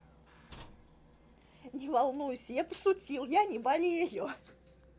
не волнуйся я пошутил я не болею